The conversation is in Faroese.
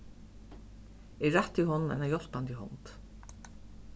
eg rætti honum eina hjálpandi hond